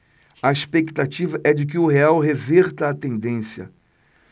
a expectativa é de que o real reverta a tendência